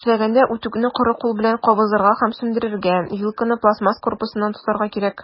Эшләгәндә, үтүкне коры кул белән кабызырга һәм сүндерергә, вилканы пластмасс корпусыннан тотарга кирәк.